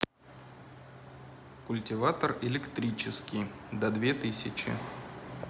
культиватор электрический да две тысячи